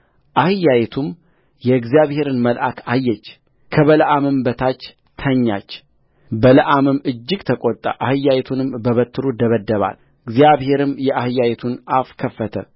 አህያይቱም የእግዚአብሔርን መልአክ አየች ከበለዓምም በታች ተኛች በለዓምም እጅግ ተቈጣ አህያይቱንም በበትሩ ደበደባትእግዚአብሔርም የአህያይቱን አፍ ከፈተ